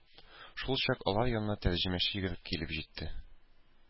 Шулчак алар янына тәрҗемәче йөгереп килеп җитте.